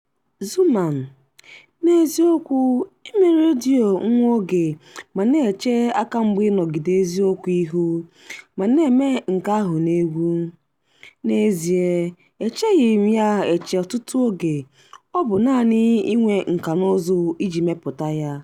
Xuman : N'eziokwu ime redio nwa oge ma na-eche akamgba ịnọgide eziokwu ihu, ma na-eme nke ahụ n'egwu ... N'ezịe, echeghị m ya eche ọtụtụ oge, ọ bụ naanị inwe nkànaụzụ iji mepụta ya.